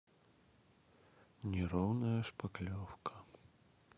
неровная шпаклевка